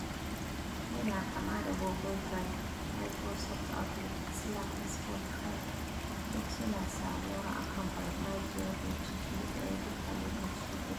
Yana kama da Google Drive, Microsoft Outlook, Slack da Spotify duk su na samuwa a kan farfajiyar bincike daya duk a lokaci guda.